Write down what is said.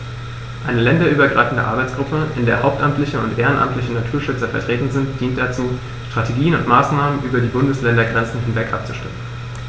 Eine länderübergreifende Arbeitsgruppe, in der hauptamtliche und ehrenamtliche Naturschützer vertreten sind, dient dazu, Strategien und Maßnahmen über die Bundesländergrenzen hinweg abzustimmen.